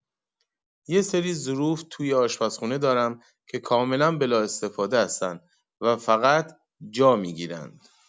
یه سری ظروف توی آشپزخونه دارم که کاملا بلااستفاده هستن و فقط جا می‌گیرن.